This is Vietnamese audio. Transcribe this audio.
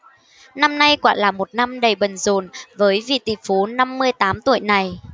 năm nay quả là một năm đầy bận rộn với vị tỷ phú năm mươi tám tuổi này